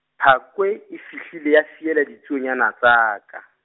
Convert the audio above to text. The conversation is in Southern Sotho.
Phakwe e fihlile ya fiela ditsuonyana tsa ka.